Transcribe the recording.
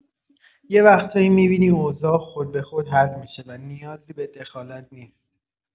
یه وقتایی می‌بینی اوضاع خود به خود حل می‌شه و نیازی به دخالت نیست.